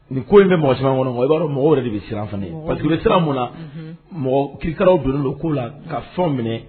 Nin ko in bɛ mɔgɔ caman kɔnɔ kɔnɔ i b'a mɔgɔ yɛrɛ de bɛ siran fana ye parcesiri sira mun na mɔgɔ kikaraw donna don k'u la ka fɛn minɛ